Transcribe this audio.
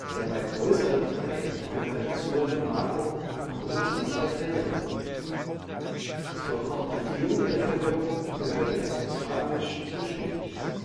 Der weit größere Teil gehörte zur „ Gemarkung Groß-Lichterfelde “(siehe Höhenplan). Zur Komplettierung der Verwirrung gehörte er postalisch zu Steglitz